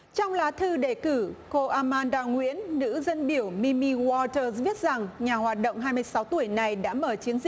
trong lá thư đề cử cô a man đa nguyễn nữ dân biểu mi mi goa tơ viết rằng nhà hoạt động hai mươi sáu tuổi này đã mở chiến